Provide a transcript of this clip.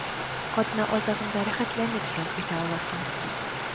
Атна азагында рәхәтләнеп ял итә аласың.